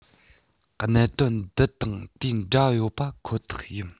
གནད དོན འདི དང དེ འདྲ ཡོད པ ཁོ ཐག ཡིན